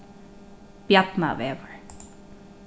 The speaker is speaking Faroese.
bjarnavegur